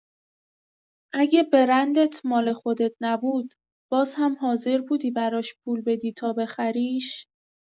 اگر برندت مال خودت نبود، باز هم حاضر بودی براش پول بدی تا بخریش؟